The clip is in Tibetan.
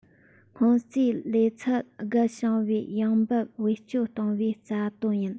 སྔོན རྩིས ལས ཚད བརྒལ བྱུང བའི ཡོང འབབ བེད སྤྱོད གཏོང བའི རྩ དོན ཡིན